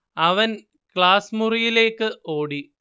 അവൻ ക്ലാസ് മുറിയിലേക്ക് ഓടി